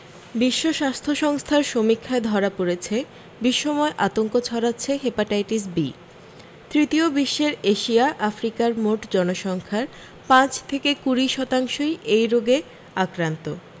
বিশ্ব স্বাস্থ্য সংস্থার সমীক্ষায় ধরা পড়েছে বিশ্বময় আতঙ্ক ছড়াচ্ছে হেপাটাইটিস বি তৃতীয় বিশ্বের এশিয়া আফ্রিকার মোট জনসংখ্যার পাঁচ থেকে কুড়ি শতাংশই এই রোগে আক্রান্ত